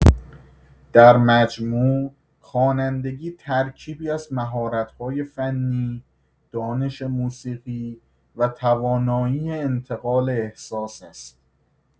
در مجموع، خوانندگی ترکیبی از مهارت‌های فنی، دانش موسیقی و توانایی انتقال احساس است.